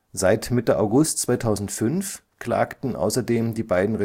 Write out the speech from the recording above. Seit Mitte August 2005 klagten außerdem die beiden